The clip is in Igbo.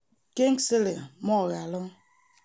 Kingsley Moghalu